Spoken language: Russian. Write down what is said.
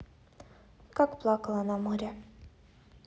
как плакала на море